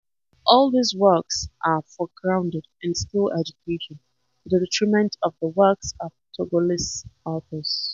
All these works are foregrounded in school education, to the detriment of the works of Togolese authors.